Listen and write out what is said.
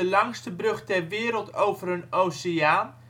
langste brug ter wereld over een oceaan